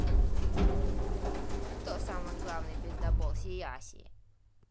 кто самый главный пиздабол сияси